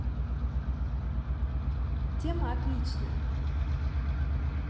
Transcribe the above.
тема отличная